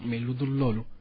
mais ludul loolu